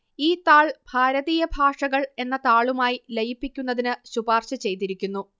ഈ താൾ ഭാരതീയ ഭാഷകൾ എന്ന താളുമായി ലയിപ്പിക്കുന്നതിന് ശുപാർശ ചെയ്തിരിക്കുന്നു